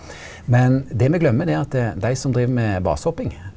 men det me gløymer det er at dei som driv med basehopping.